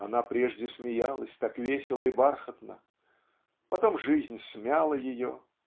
она прежде смеялась так весело и бархатно потом жизнь смяла ее